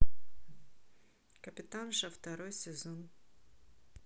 капитанша второй сезон